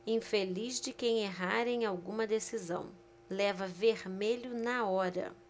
infeliz de quem errar em alguma decisão leva vermelho na hora